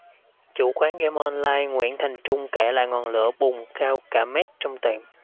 chủ quán game online nguyễn thành trung kể lại ngọn lửa bùng cao cả mét trong tiệm